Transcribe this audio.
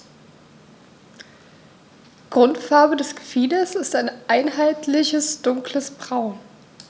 Grundfarbe des Gefieders ist ein einheitliches dunkles Braun.